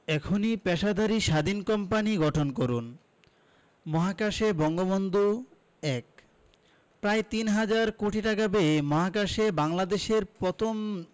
এখনই পেশাদারি স্বাধীন কোম্পানি গঠন করুন মহাকাশে বঙ্গবন্ধু ১ প্রায় তিন হাজার কোটি টাকা ব্যয়ে মহাকাশে বাংলাদেশের প্রথম